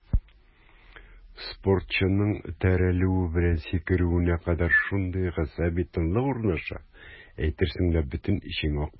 Спортчының этәрелүе белән сикерүенә кадәр шундый гасаби тынлык урнаша, әйтерсең лә бөтен эчең актарыла.